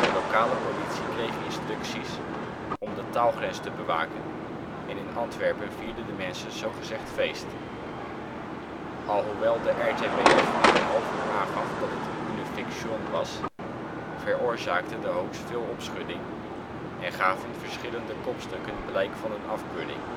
lokale politie kreeg instructies om de taalgrens te bewaken en in Antwerpen vierden de mensen zogezegd feest. Alhoewel de RTBF na een half uur aangaf dat het " une fiction " was, veroorzaakte de hoax veel opschudding en gaven verschillende kopstukken blijk van hun afkeuring